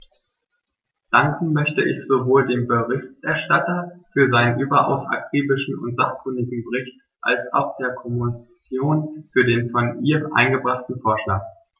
Danken möchte ich sowohl dem Berichterstatter für seinen überaus akribischen und sachkundigen Bericht als auch der Kommission für den von ihr eingebrachten Vorschlag.